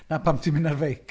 Dyna pam ti'n mynd ar feic.